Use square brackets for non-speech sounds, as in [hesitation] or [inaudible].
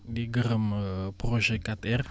di gërëm [hesitation] projet 4R